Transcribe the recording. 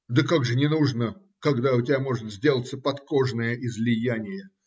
- Да как же не нужно, когда у тебя может сделаться подкожное излияние?